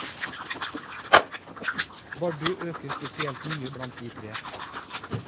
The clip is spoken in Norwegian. Bardu øker spesielt mye blant de tre.